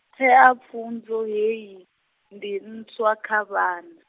theapfunzo hei , ndi ntswa kha vhan- .